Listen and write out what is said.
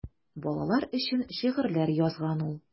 Балалар өчен шигырьләр язган ул.